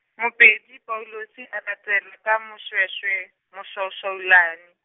Mopeli Paulus a latela ka Moshoeshoe, Moshoashoailane.